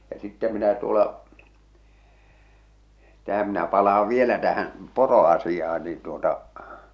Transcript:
ja sitten minä tuolla tähän minä palaan vielä tähän poroasiaan niin tuota